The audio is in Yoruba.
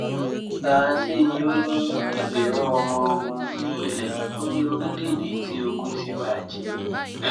Faranse ni o ni ẹgbẹrun ọmọ ogun ni ilẹ ni orílẹ̀-èdè ti ogun ti bajẹ.